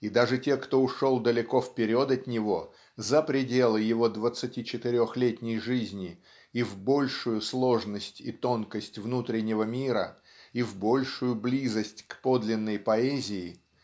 И даже те, кто ушел далеко вперед от него, за пределы его двадцатичетырехлетней жизни, и в большую сложность и тонкость внутреннего мира, и в большую близость к подлинной поэзии,